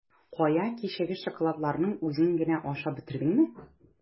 Кая, кичәге шоколадларыңны үзең генә ашап бетердеңме?